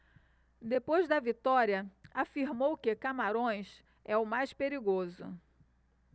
depois da vitória afirmou que camarões é o mais perigoso